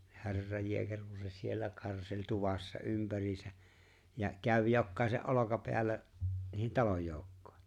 niin herran jeekeri kun se siellä karseli tuvassa ympäriinsä ja kävi jokaisen olkapäällä niiden talonjoukkojen